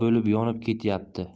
bo'lib yonib ketyapti